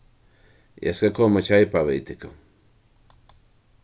eg skal koma at keypa við tykkum